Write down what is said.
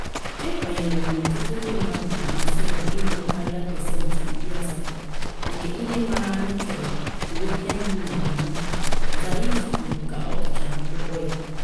Na nke ahụ, pasentị 70 kwuru na ha ga-atụnye ee.